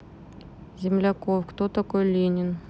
земляков кто такой ленин